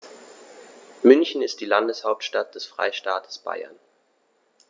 München ist die Landeshauptstadt des Freistaates Bayern.